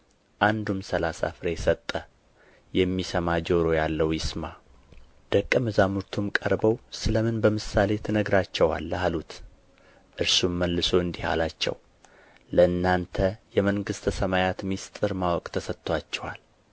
አንዱም ሠላሳ ፍሬ ሰጠ የሚሰማ ጆሮ ያለው ይስማ ደቀ መዛሙርቱም ቀርበው ስለ ምን በምሳሌ ትነግራቸዋለህ አሉት እርሱም መልሶ እንዲህ አላቸው ለእናንተ የመንግሥተ ሰማያትን ምሥጢር ማወቅ ተሰጥቶአችኋል